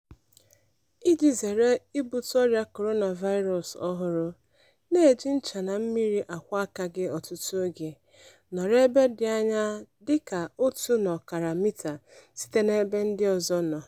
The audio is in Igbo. Iji zere ibute ọrịa coronavirus ọhụrụ, na-eji ncha na mmiri akwọ aka gị ọtụtụ oge, nọrọ ebe dị anya dị ka 1.5 mita site n'ebe ndị ọzọ nọ.